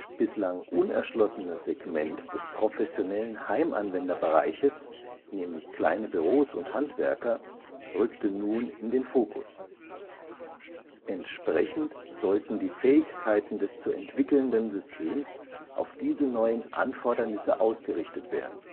bislang unerschlossene Segment des professionellen Heimanwenderbereiches – kleinere Büros und Handwerker – rückte nun in den Fokus. Entsprechend sollten die Fähigkeiten des zu entwickelnden Systems auf diese neuen Anfordernisse ausgerichtet werden